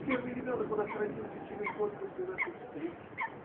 Первый ребенок у нас родился через год после нашей встречи.